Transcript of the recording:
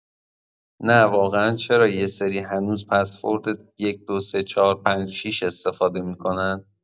نه واقعا چرا یه سری‌ها هنوز پسورد ۱ ۲ ۳ ۴ ۵ ۶ استفاده می‌کنن؟